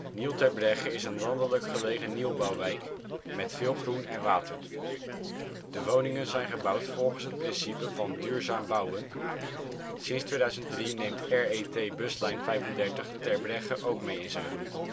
Nieuw Terbregge is een landelijk gelegen nieuwbouwwijk met veel groen en water. De woningen zijn gebouwd volgens het principe van ' duurzaam bouwen '. Sinds 2003 neemt RET-buslijn 35 Terbregge ook mee in zijn route